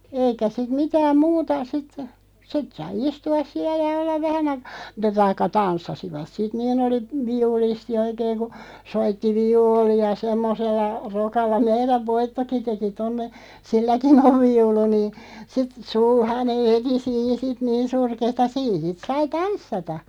eikä sitten mitään muuta sitten sitten sai istua siellä ja olla vähän - mutta tai tanssivat sitten niin oli viulisti oikein kun soitti viulua semmoisella rokalla meidän Voittokin teki tuonne silläkin on viulu niin sitten sulhanen veti siinä sitten niin surkeata siinä sitten sai tanssia